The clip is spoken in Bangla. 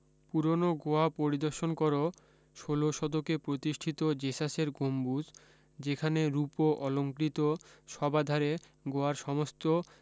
পুরানো গোয়া পরিদর্শন কর ষোলো শতকে প্রতিষ্ঠিত জেসাসের গম্বুজ যেখানে রুপো অলংকৃত শবাধারে গোয়ার সমস্ত